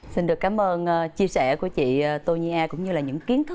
xin được cám ơn ờ chia sẻ của chị tô nhi a cũng như là những kiến thức